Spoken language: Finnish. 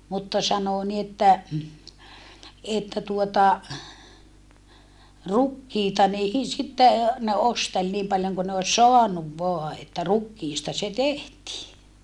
mutta sanoi niin että että tuota rukiita niin sitten ne osteli niin paljon kuin ne olisi saanut vain että rukiista se tehtiin